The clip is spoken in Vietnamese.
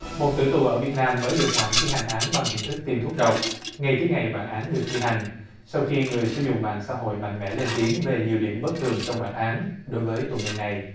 một tử tù ở việt nam mới được hoãn thi hành án bằng hình thức tiêm thuốc độc ngay trước ngày bản án được thi hành sau khi người sử dụng mạng xã hội mạnh mẽ lên tiếng về nhiều điểm bất thường trong bản án đối với tù nhân này